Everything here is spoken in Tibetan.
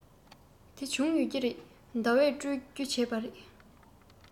དེ བྱུང ཡོད ཀྱི རེད ཟླ བས སྤྲོད རྒྱུ བྱས པ རེད